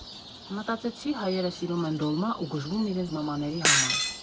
Մտածեցի՝ հայերը սիրում են դոլմա ու գժվում իրենց մամաների համար։